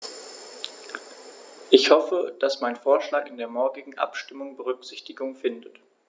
Ich hoffe, dass mein Vorschlag in der morgigen Abstimmung Berücksichtigung findet.